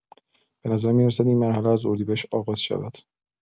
به نظر می‌رسد این مرحله از اردیبهشت آغاز شود.